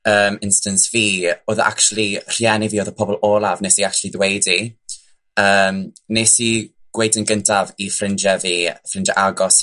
yym instance fi, odd e actually rhieni fi odd y pobol olaf nes i actually dweud i. Yym nes i gweud yn gyntaf i ffrindie, fi ffrindie agos